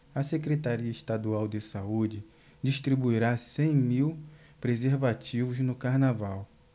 a secretaria estadual de saúde distribuirá cem mil preservativos no carnaval